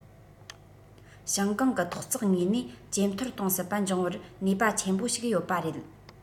ཞང ཀང གི ཐོག བརྩེགས ངོས ནས ཇེ མཐོར གཏོང སྲིད པ འབྱུང བར ནུས པ ཆེན པོ ཞིག ཡོད པ རེད